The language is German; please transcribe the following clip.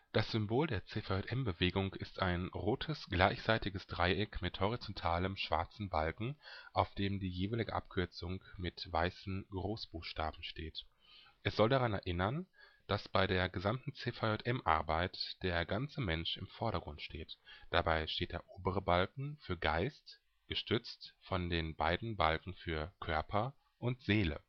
Das Symbol der CVJM-Bewegung ist ein rotes, gleichseitiges Dreieck mit horizontalem schwarzen Balken, auf dem die jeweilige Abkürzung mit weißen Großbuchstaben steht. Es soll daran erinnern, dass bei der gesamten CVJM-Arbeit der ganze Mensch im Vordergrund steht. Dabei steht der obere Balken für „ Geist “, gestützt von den beiden Balken für „ Körper “und „ Seele